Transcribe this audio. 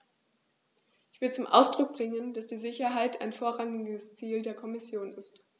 Ich will zum Ausdruck bringen, dass die Sicherheit ein vorrangiges Ziel der Kommission ist.